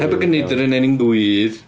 Hebog a neidr yn ennyn gwydd.